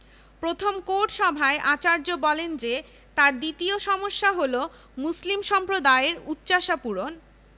truth shall prevail slogan লেখা একটি monogram Dhaka বিশ্ববিদ্যালয়ের মনোগ্রাম হিসেবে ব্যবহার করা হতো পরবর্তী সময়ে এ মনোগ্রাম তিনবার পরিবর্তন করা হয়